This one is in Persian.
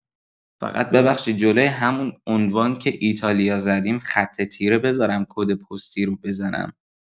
فقط ببخشید جلوی همون عنوان که ایتالیا زدیم خط تیره بزارم کد پستی رو بزنم؟